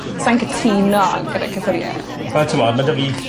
Sai'n cytuno gyda cyffurie. Wel t'mod ma' 'da fi